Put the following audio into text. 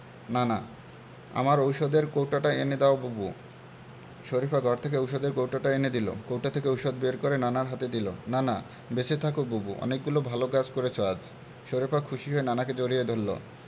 নানা আমার ঔষধের কৌটোটা এনে দাও বুবু শরিফা ঘর থেকে ঔষধের কৌটোটা এনে দিল কৌটা থেকে ঔষধ বের করে নানার হাতে দিল নানা বেঁচে থাকো বুবু অনেকগুলো ভালো কাজ করেছ আজ শরিফা খুশি হয়ে নানাকে জড়িয়ে ধরল